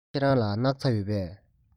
ཁྱེད རང ལ སྣག ཚ ཡོད པས